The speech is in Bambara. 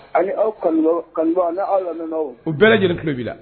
Ani aw kanu kanu ani aw la ko bɛɛ lajɛlen tilebi la